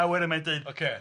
a wedyn mae'n dweud ocê.